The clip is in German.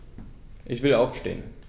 Ich will aufstehen.